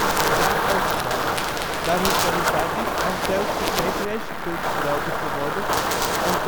de straat overkwam, maar hoeft weliswaar niet als deugdig referentiepunt genomen te worden als